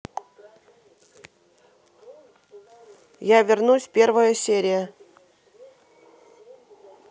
я вернусь первая серия